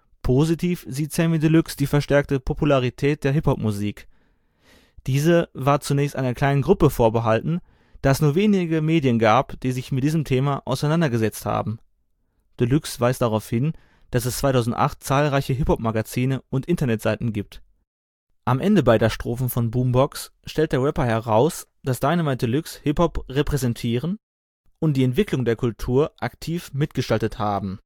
Positiv sieht Samy Deluxe die verstärkte Popularität der Hip-Hop-Musik. Diese war zunächst einer kleinen Gruppe vorbehalten, da es nur wenige Medien gab, die sich mit diesem Thema auseinandergesetzt haben. Deluxe weist darauf hin, dass es 2008 zahlreiche Hip-Hop-Magazine und Internetseiten gibt. Am Ende beider Strophen von Boombox stellt der Rapper heraus, dass Dynamite Deluxe Hip-Hop repräsentieren und die Entwicklung der Kultur aktiv mitgestaltet haben